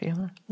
...crio 'ma.